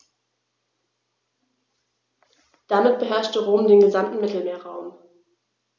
Damit beherrschte Rom den gesamten Mittelmeerraum.